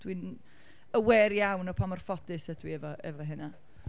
dwi'n aware iawn o pan mor ffodus ydw i efo, efo hynna.